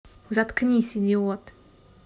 заткнись идиот